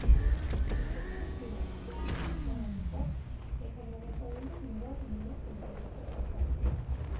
Գրկեցինք իրար, հաջորդ առավոտյան օդանավակայանում նրան ու մյուս ընկերուհուս ասացի.